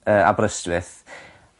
yy Aberystwyth